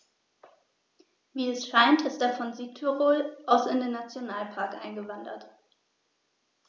Wie es scheint, ist er von Südtirol aus in den Nationalpark eingewandert.